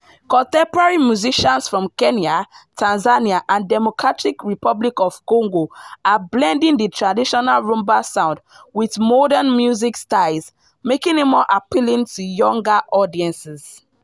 Contemporary musicians from Kenya, Tanzania & Democratic Republic of Congo are blending the traditional Rhumba sound with modern music styles, making it more appealing to younger audiences.